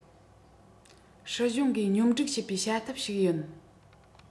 སྲིད གཞུང གིས སྙོམ སྒྲིག བྱེད པའི བྱ ཐབས ཤིག ཡིན